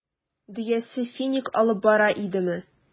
Дөясе финик алып бара идеме?